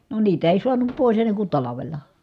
no niitä ei saanut pois ennen kuin talvella